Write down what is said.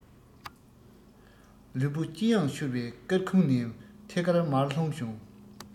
ལུས པོ ལྕི ཡང ཤོར བས སྐར ཁུང ནས ཐད ཀར མར ལྷུང བྱུང